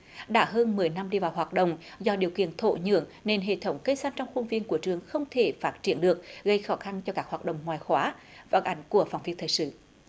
đã hơn mười năm đi vào hoạt động do điều kiện thổ nhưỡng nên hệ thống cây xanh trong khuôn viên của trường không thể phát triển được gây khó khăn cho các hoạt động ngoại khóa phản ánh của phóng viên thời sự